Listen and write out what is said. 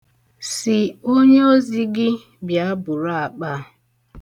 Sị onyeozi gị bịa buru akpa a.